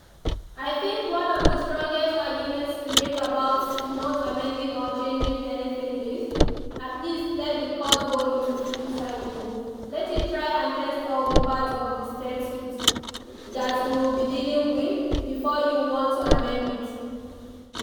I think one of the strongest arguments to make about not amending or changing anything is, at least let the court go into full cycle, let it try and test all the parts of the statute that we will be dealing with, before you want to amend it.